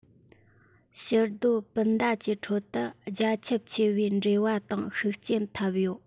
ཕྱིར སྡོད སྤུན ཟླ ཀྱི ཁྲོད དུ རྒྱ ཁྱབ ཆེ བའི འབྲེལ བ དང ཤུགས རྐྱེན ཐེབས ཡོད